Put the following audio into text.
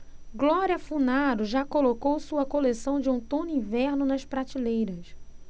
glória funaro já colocou sua coleção de outono-inverno nas prateleiras